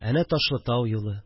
Әнә Ташлытау юлы